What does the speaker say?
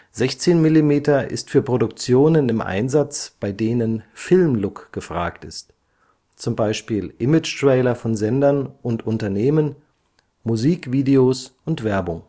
16-mm ist für Produktionen im Einsatz, bei denen „ Filmlook “gefragt ist, z. B. Imagetrailer von Sendern und Unternehmen, Musik-Videos, Werbung